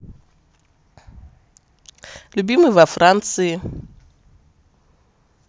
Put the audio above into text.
любимый во франции